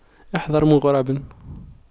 أحذر من غراب